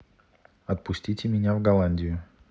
отпустите меня в голландию